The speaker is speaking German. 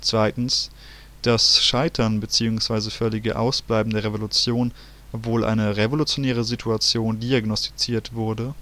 Weltkriegs; das Scheitern bzw. völlige Ausbleiben der Revolution, obwohl eine „ revolutionäre Situation “diagnostiziert wurde